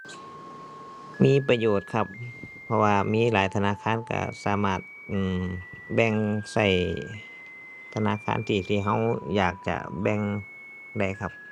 มีประโยชน์ครับ เพราะว่ามีหลายธนาคารก็สามารถ อือ แบ่งก็ธนาคารที่ ที่ก็อยากจะแบ่งได้ครับ